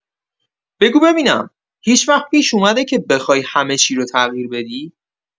بگو ببینم، هیچ‌وقت پیش اومده که بخوای همه چی رو تغییر بدی؟